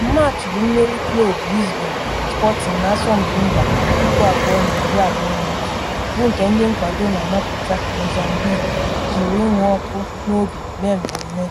Ọmụmaatụ bụ mmeri klọb Lisbon Sporting na asọmpi mba 2021, bụ nke ndị nkwado na Maputo (Mozambique) jiri ịnụ ọkụ n'obi mee mmemme.